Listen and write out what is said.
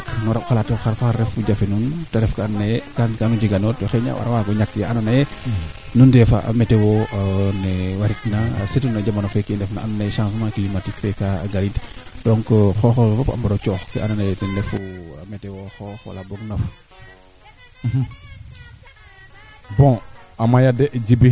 ñaal nu refna xana jeg keete wañ na no ñufum yaam xar coono faa ke yongoona fiya xaye pod ne waagona fi teen i numtu wiida nga o feet waag ka tino yaam katan fee fodkate neete fod'ina faak bon d' accord xaƴa koy